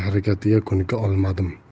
harakatiga ko'nika olmadim